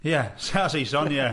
Ie, sa Saeson, ie.